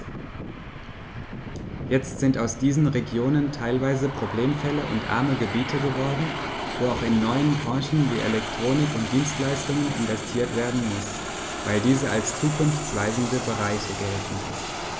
Jetzt sind aus diesen Regionen teilweise Problemfälle und arme Gebiete geworden, wo auch in neue Branchen wie Elektronik und Dienstleistungen investiert werden muss, weil diese als zukunftsweisende Bereiche gelten.